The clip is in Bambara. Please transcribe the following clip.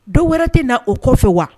Dɔw wɛrɛ tɛ na o kɔ fɛ wa